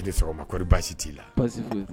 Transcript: I ni sɔgɔma! kɔri baasi t'i la?